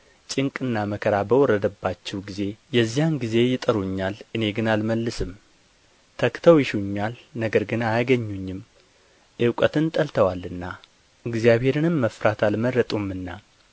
ጭንቅና መከራ በወረደባችሁ ጊዜ የዚያን ጊዜ ይጠሩኛል እኔ ግን አልመልስም ተግተው ይሹኛል ነገር ግን አያገኙኝም እውቀትን ጠልተዋልና እግዚአብሔርንም መፍራት አልመረጡምና